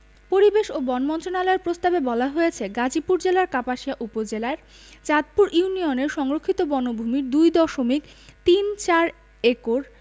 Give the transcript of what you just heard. পরিবেশ ও বন মন্ত্রণালয়ের প্রস্তাবে বলা হয়েছে গাজীপুর জেলার কাপাসিয়া উপজেলার চাঁদপুর ইউনিয়নের সংরক্ষিত বনভূমির ২ দশমিক তিন চার একর